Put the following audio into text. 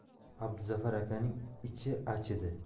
abduzafar akaning ichi achidi